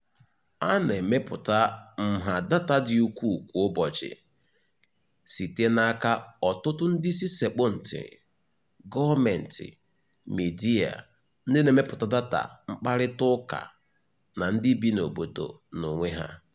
A na-emepụta nha data dị ukwuu kwa ụbọchị, site n’aka ọtụtụ ndị isi sekpu ntị: gọọmentị. midia, ndị na-emepụta data mkparịtaụka, na ndị bi n’obodo n’onwe ha.